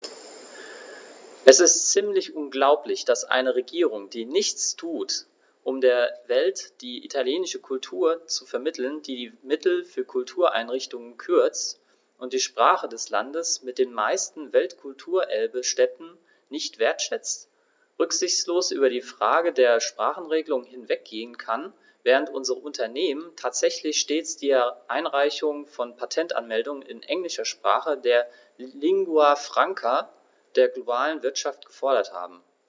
Es ist ziemlich unglaublich, dass eine Regierung, die nichts tut, um der Welt die italienische Kultur zu vermitteln, die die Mittel für Kultureinrichtungen kürzt und die Sprache des Landes mit den meisten Weltkulturerbe-Stätten nicht wertschätzt, rücksichtslos über die Frage der Sprachenregelung hinweggehen kann, während unsere Unternehmen tatsächlich stets die Einreichung von Patentanmeldungen in englischer Sprache, der Lingua Franca der globalen Wirtschaft, gefordert haben.